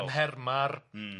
...yn nherma'r... Hmm.